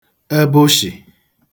ebụshị̀